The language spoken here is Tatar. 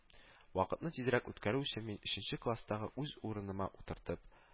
Вакытны тизрәк үткәрү өчен мин, өченче класстагы үз урыныма утыртып